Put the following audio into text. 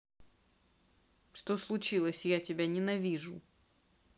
что случилось я тебя ненавижу